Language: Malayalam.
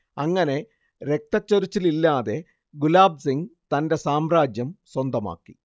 അങ്ങനെ രക്തച്ചൊരിച്ചിലില്ലാതെ ഗുലാബ് സിങ് തന്റെ സാമ്രാജ്യം സ്വന്തമാക്കി